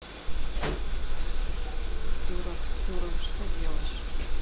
дура дура и что делаешь